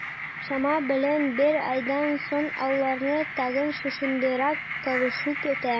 Чама белән бер айдан соң, аларны тагын шушындыйрак кавышу көтә.